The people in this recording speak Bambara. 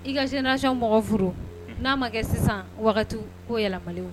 I ka génération mɔgɔ furu na ma kɛ sisan wagati ko yɛlɛbali ye.